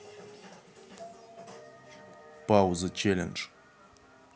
пауза челендж